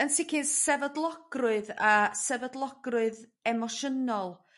Yn sicr sefydlogrwydd a sefydlogrwydd emosiynol